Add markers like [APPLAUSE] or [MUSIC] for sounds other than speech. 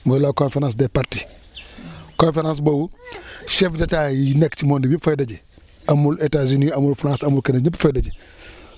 mooy la conférence des partis [BREATH] conférence boobu chef d' état yi nekk si monde bi yëpp fay daje amul Etat-Unis amul France amul keneen ñëpp a fay daje [BREATH]